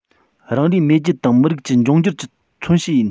རང རེའི མེས རྒྱལ དང མི རིགས ཀྱི འབྱུང འགྱུར གྱི མཚོན བྱེད ཡིན